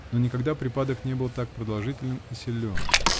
но никогда припадок не был так продолжителен и силен .